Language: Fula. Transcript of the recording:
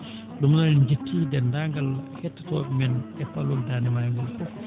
ɗum noon en njettii deenndaangal hettotooɓe men e palol Daande Maayo ngol fof